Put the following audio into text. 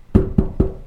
Wa